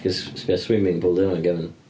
Achos sbïa swimming pool 'di hwnna'n cefn,